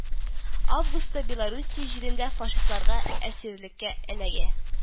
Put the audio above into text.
Августта Белоруссия җирендә фашистларга әсирлеккә эләгә